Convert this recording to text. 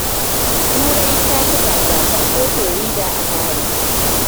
Turai taci gasar kofin Ryder a Paris